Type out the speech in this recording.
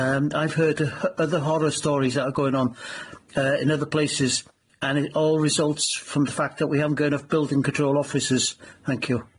Erm, I've heard o' h- other horror stories that are going on err in other places, and it all results from the fact that we haven't got enough building control officers. Thank you.